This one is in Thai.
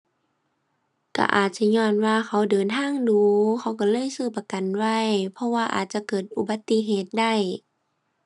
ก็อาจสิญ้อนว่าเขาเดินทางดู๋เขาก็เลยซื้อประกันไว้ เพราะว่าอาจจะเกิดอุบัติเหตุได้